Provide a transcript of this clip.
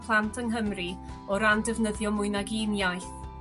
plant yng Nghymru o ran defnyddio mwy nag un iaith?